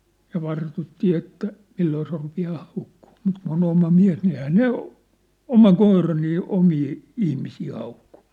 ja vartuttiin että milloin se rupeaa haukkumaan mutta kun on oma mies niin eihän ne oma koira niin omia ihmisiä hauku